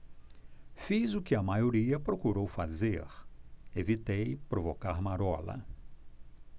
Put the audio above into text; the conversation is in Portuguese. fiz o que a maioria procurou fazer evitei provocar marola